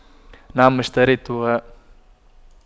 نعم اشتريتها